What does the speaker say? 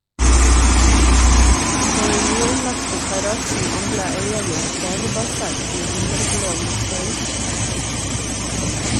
På den nyanlagte terrassen anla eierne et barnebasseng med himmelblå mosaikk.